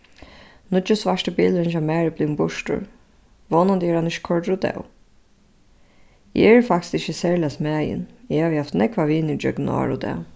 nýggi svarti bilurin hjá mær er blivin burtur vónandi er hann ikki koyrdur útav eg eri faktiskt ikki serliga smæðin eg havi havt nógvar vinir gjøgnum ár og dag